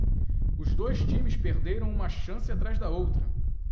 os dois times perderam uma chance atrás da outra